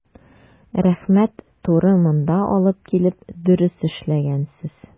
Рәхмәт, туры монда алып килеп дөрес эшләгәнсез.